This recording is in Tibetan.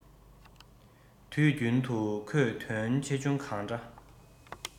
དུས རྒྱུན དུ ཁོས དོན ཆེ ཆུང གང འདྲ